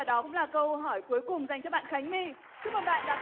đó cũng là câu hỏi cuối cùng dành cho bạn khánh my chúc mừng bạn